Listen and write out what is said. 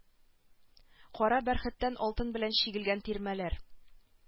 Кара бәрхеттән алтын белән чигелгән тирмәләр